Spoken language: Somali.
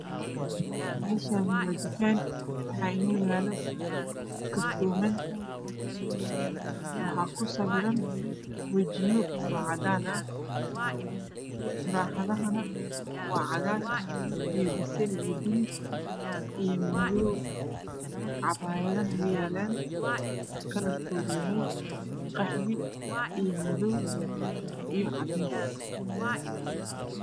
Meeshaani waa tukaan waxaa inoo yaalo kartooman waxaa ku sawiran wajiyo oo cadaan ah muraaxadahana waa cagaar iyo basali iyo buluug iyo madow cabaayadahana way yaalaan kalarkoodu yahay qaxwi iyo madow iyo cadays